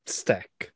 Stick.